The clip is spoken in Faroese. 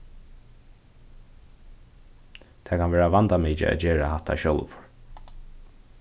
tað kann vera vandamikið at gera hatta sjálvur